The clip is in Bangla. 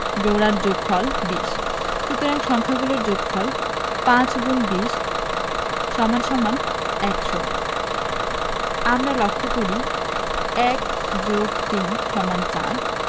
জোড়ার যোগফল ২০ সুতরাং সংখ্যা গুলোর যোগফল ৫*২০=১০০ আমরা লক্ষ করি ১+৩=৪